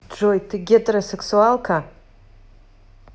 джой ты гетеросексуалка